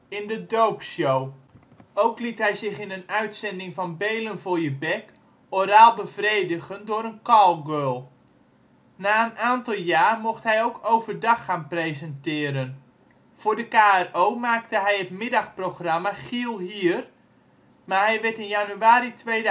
in De Dopeshow. Ook liet hij zich in een uitzending van Beelen voor je bek oraal bevredigen door een callgirl. Na een aantal jaar mocht hij ook overdag gaan presenteren. Voor de KRO maakte hij het middagprogramma Giel hier, maar hij werd in januari 2001